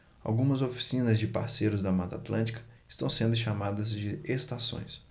algumas oficinas de parceiros da mata atlântica estão sendo chamadas de estações